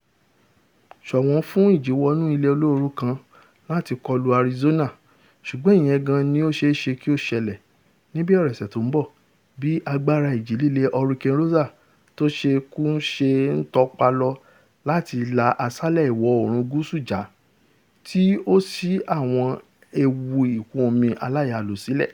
ṣọ̀wọ́n fún ìjìnwọnú ilẹ̀ olóoru kan láti kọlu Arizona, ṣùgbọn ìyẹn gan-an ní ó ṣeé ṣe kí ó ṣẹlẹ̀ níbẹ̀rẹ̀ ọ̀sẹ̀ tó ńbọ bí agbara Ìjì líle Hurricane Rosa tóṣẹ́kù ṣe ńtọ ipa lọ láti la Asálẹ Ìwọ̀-oòrùn Gúúsù já, tí ó sì àwọn ewu ìkún-omi aláyalù sílẹ̀.